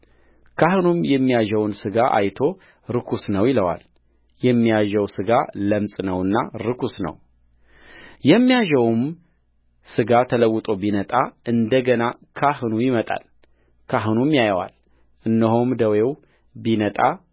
ካህኑም የሚያዠውን ሥጋ አይቶ ርኩስ ነው ይለዋል የሚያዠው ሥጋ ለምጽ ነውና ርኩስ ነውየሚያዠውም ሥጋ ተለውጦ ቢነጣ እንደ ገና ወደ ካህኑ ይመጣልካህኑም ያየዋል እነሆም ደዌው ቢነጣ